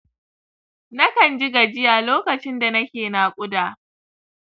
nakanji gajiya lokacin da nake naƙuda